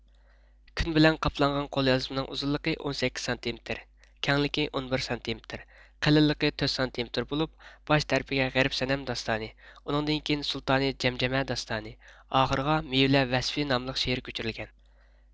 كۈن بىلەن قاپلانغان قوليازمىنىڭ ئۇزۇنلۇقى ئون سەككىز سانتىمېتىر كەڭلىكى ئون بىر سانتىمېتىر قېلىنلىقى تۆت سانتىمېتىر بولۇپ باش تەرىپىگە غېرىب سەنەم داستانى ئۇنىڭدىن كېيىن سۇلتانى جەمجەمە داستانى ئاخىرىغا مېۋىلەر ۋەسفى ناملىق شېئىر كۆچۈرۈلگەن